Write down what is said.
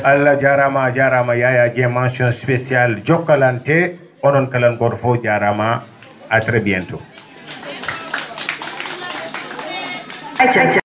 Allah jarama a jarama Yaya Dieng mention spéciale Jokalante onon kala gooto fofjarama à trés bientot